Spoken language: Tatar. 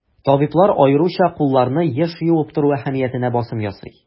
Табиблар аеруча кулларны еш юып тору әһәмиятенә басым ясый.